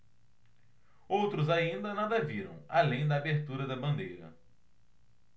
outros ainda nada viram além da abertura da bandeira